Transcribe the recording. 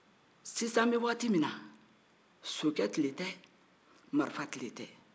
sisan an bɛ wagati min na sokɛ tile tɛ marifa tile tɛ